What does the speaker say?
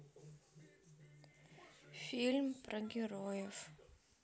мультфильм про героев